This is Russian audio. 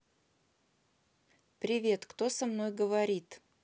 привет кто со мной говорит